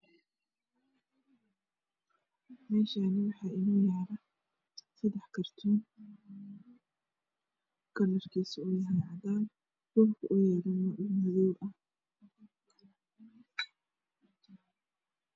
Meshaani waxaa inoo yala sedax kartoon kalar kiisu uu yahay cadan dhulkuu uuyahay dhuul madoow ah